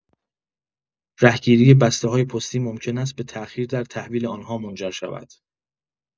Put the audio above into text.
رهگیری بسته‌های پستی ممکن است به تاخیر در تحویل آنها منجر شود.